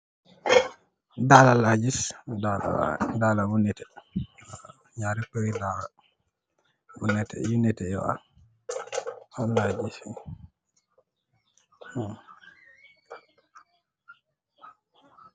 Dalla la gis, dalla bu neteh la, ñaari pééri dalla yu neteh.